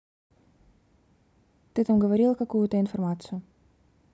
ты там говорила какую то информацию